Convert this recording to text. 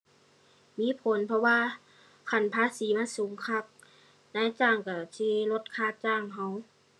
มีผล เพราะว่าคันภาษีมันสูงคัก นายจ้างก็สิได้ลดค่าจ้างก็